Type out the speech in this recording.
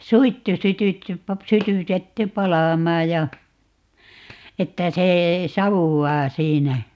suittu sytytty - sytytetty palamaan ja että se savuaa siinä